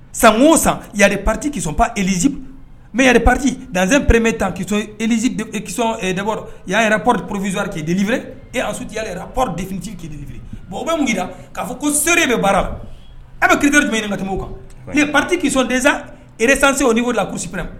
Sankun san ya pati kisɔn pa elzip mɛ yali pati danzpree tan ki ezsɔn debɔ y'a yɛrɛ pɔri porofizori k keedzp e asuti yɛrɛ pɔri defiti k kefi bɔn o bɛ mun i la k'a fɔ ko seeree bɛ baara a bɛ kiirid jumɛn ye nin na tɛmɛ kan ni pati kidz ere sanse o la kusipɛ